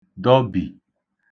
dọbì